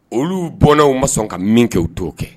Olu bɔnnaw ma sɔn ka min kɛ u t'o kɛ.